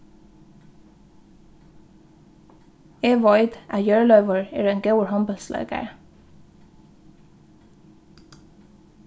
eg veit at hjørleivur er ein góður hondbóltsleikari